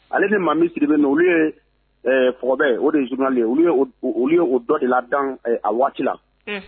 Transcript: Ale ni Manbi Sidibe n'u, olu ye ɛɛ fɔkɔbɛ o de ye journal ye, olu ye o dɔ de ladilan a waati la. Un